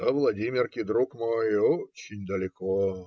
- До Владимирки, друг мой, очень далеко.